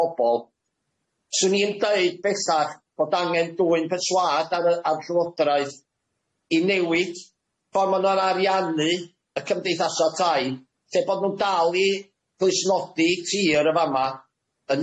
pobol, swn i'n deud bellach bod angen dwyn perswaad ar yy ar Llywodraeth i newid ffor ma' nw'n ariannu y cymdeithasa tai lle bod nw'n dal i glustnodi tir yn fama y